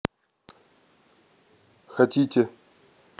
хотите